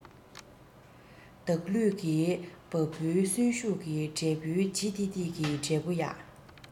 བདག ལུས ཀྱི བ སྤུའི གསོན ཤུགས ཀྱི འབྲས བུའི ལྗིད ཏིག ཏིག གི འབྲས བུ ཡ